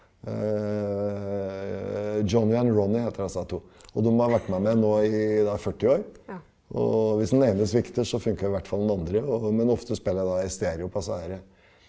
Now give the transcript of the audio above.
Jonny and Ronny heter disse to, og dem har vært med meg nå i da 40 år og hvis den ene svikter så funker jo i hvert fall den andre og men ofte spiller jeg da i stereo på disse herre.